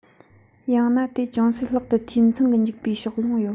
ཡང ན དེ ཅུང ཟད ལྷག ཏུ འཐུས ཚང གི འཇུག པའི ཕྱོགས ལྷུང ཡོད